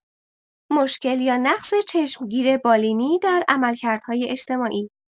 مشکل یا نقص چشمگیر بالینی در عملکردهای اجتماعی